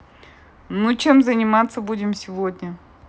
ну чем заниматься будет сегодня